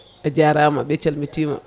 a jarama ɓe calmitima